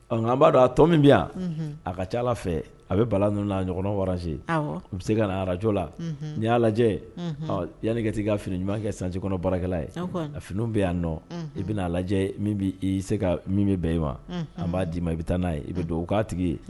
Ɔ an b' dɔn a tɔ min bɛ yan a ka ca ala fɛ a bɛ bala ninnu ɲɔgɔnɔn warase u bɛ se ka na araj la n'i y'a lajɛ yanani kati kaa fini ɲuman kɛ sanji kɔnɔ baarakɛla ye a fini bɛ yan nɔ i bɛa lajɛ i se ka min bɛ bɛɛ e ma an b'a dii ma i bɛ taa n'a ye i bɛ don u k' tigi ye